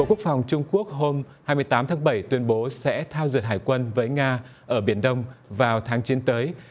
bộ quốc phòng trung quốc hôm hai mươi tám tháng bảy tuyên bố sẽ thao dượt hải quân với nga ở biển đông vào tháng chín tới